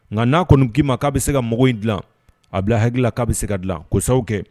Nka n'a kɔni k'i ma k'a bɛ se ka mago in dilan a bila hakilila k'a bɛ se ka dilan kosaw kɛ